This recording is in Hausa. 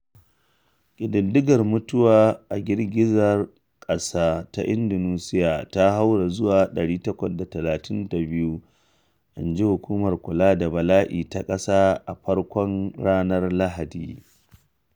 Ƙididdigar mutuwar a girgizar ƙasar ta Indonesiyan ta haura zuwa 832, inji hukumar kula da bala’i ta ƙasar a farkon ranar Lahadi.